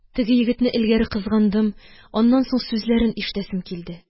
Теге егетне элгәре кызгандым, аннан соң сүзләрен ишетәсем килде